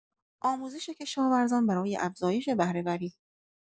آموزش کشاورزان برای افزایش بهره‌وری